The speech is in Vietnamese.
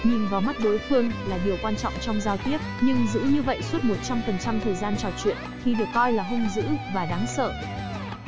nhìn vào mắt đối phương là điều quan trọng trong giao tiếp nhưng giữ như vậy suốt phần trăm thời gian trò chuyện thì được coi là hung dữ và đáng sợ